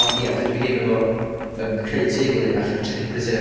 Ond ia, dydw i ddim efo ymm creu teulu allan o trip i Brasil.